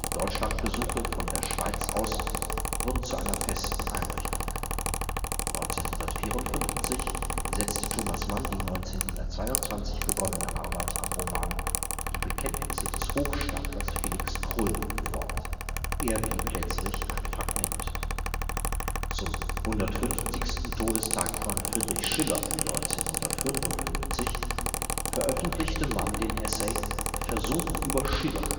Deutschland-Besuche von der Schweiz aus wurden zu einer festen Einrichtung. 1954 setzte Thomas Mann die 1922 begonnene Arbeit am Roman Die Bekenntnisse des Hochstaplers Felix Krull fort – er blieb letztlich ein Fragment. Zum 150. Todestag von Friedrich Schiller 1955 veröffentlichte Mann den Essay Versuch über Schiller